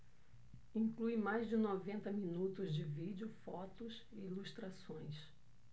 inclui mais de noventa minutos de vídeo fotos e ilustrações